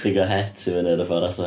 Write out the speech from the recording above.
Pigo het i fyny ar y ffor' allan.